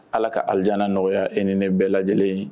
Ala ka alidana nɔgɔya e ni ne bɛɛ lajɛlen ye